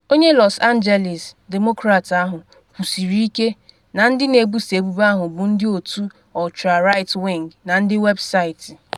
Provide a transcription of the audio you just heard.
Onye Los Angeles Demokrat ahụ kwusiri ike na ndị na-ebusa ebubo ahụ bụ ndị otu “ultra-right wing” na ndị websaịtị.